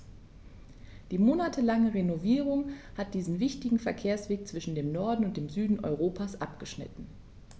Die monatelange Renovierung hat diesen wichtigen Verkehrsweg zwischen dem Norden und dem Süden Europas abgeschnitten.